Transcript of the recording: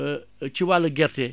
ci wàllu gerte